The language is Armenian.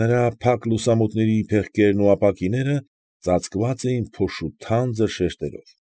Նրա փակ լուսամուտների փեղկերն ու ապակիները ծածկված էին փոշու թանձր շերտերով։